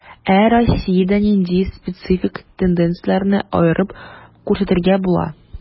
Ә Россиядә нинди специфик тенденцияләрне аерып күрсәтергә була?